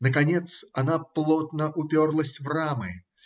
Наконец она плотно уперлась в рамы.